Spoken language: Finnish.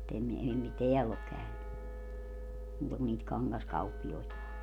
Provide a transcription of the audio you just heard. mutta en ei - täällä ole käynyt muuta kuin niitä kangaskauppiaita